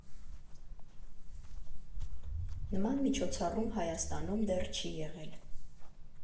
Նման միջոցառում Հայաստանում դեռ չի եղել։